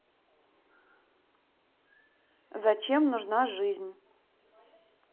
зачем нужна жизнь